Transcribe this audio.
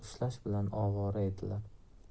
ushlash bilan ovora edilar